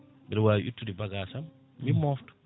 mbeɗa wawi ittude bagage sam mi mofta